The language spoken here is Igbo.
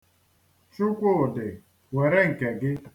Chukwudị, were nke gị.